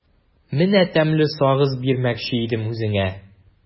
Менә тәмле сагыз бирмәкче идем үзеңә.